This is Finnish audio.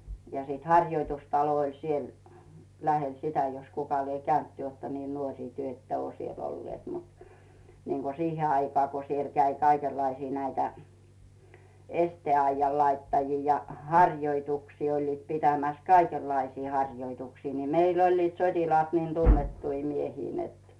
ja sitten harjoitustalo oli siellä lähellä sitä jos kuka lie käynyt te olette niin nuori te ette ole siellä olleet mutta niin kuin siihen aikaan kun siellä kävi kaikenlaisia näitä esteaidan laittajia ja harjoituksia olivat pitämässä kaikenlaisia harjoituksia niin meillä olivat sotilaat niin tunnettuja miehiä että